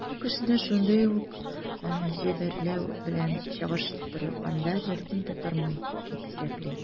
Бу кешене шундый ук җәберләү белән чагыштырганда берни тормый, дип исәпли.